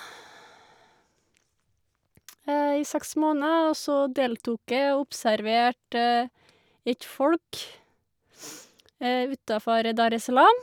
I seks måneder, og så deltok jeg og observerte et folk utafor Dar es Salaam.